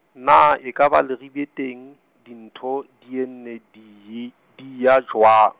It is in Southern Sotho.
na ekaba Leribe teng, dintho di ne di yi- di eya jwang?